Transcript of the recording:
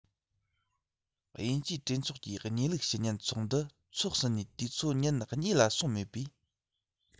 དབྱིན ཇིའི གྲོས ཚོགས ཀྱི གནས ལུགས ཞུ ཉན ཚོགས འདུ འཚོགས ཟིན ནས དུས ཚོད ཉིན གཉིས ལ སོང མེད པའི